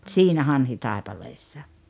siinä Hanhitaipaleessa